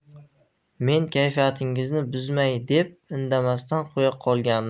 men kayfiyatingizni buzmay deb indamasdan qo'ya qolgandim